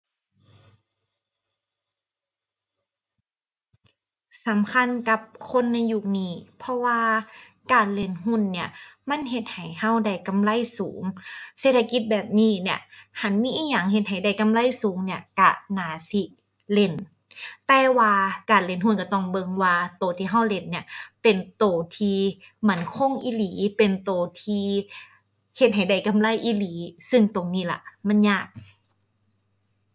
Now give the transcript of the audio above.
สำคัญกับคนในยุคนี้ เพราะว่าการเล่นหุ้นเนี่ย มันเฮ็ดให้เราได้กำไรสูง เศรษฐกิจแบบนี้เนี่ย หั้นมีอิหยังเฮ็ดให้ได้กำไรสูงเนี่ย เราน่าสิเล่น แต่ว่าการเล่นหุ้นเราต้องเบิ่งว่าเราที่เราเล่นเนี่ย เป็นเราที่มั่นคงอีหลี เป็นเราที่เฮ็ดให้ได้กำไรอีหลี ซึ่งตรงนี้ล่ะ มันยาก